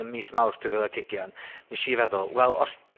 ym mis Mawrth dwy fil ag ugian, nesh i feddwl, wel os